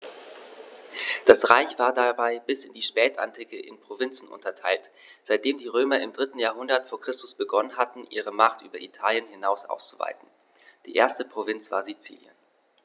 Das Reich war dabei bis in die Spätantike in Provinzen unterteilt, seitdem die Römer im 3. Jahrhundert vor Christus begonnen hatten, ihre Macht über Italien hinaus auszuweiten (die erste Provinz war Sizilien).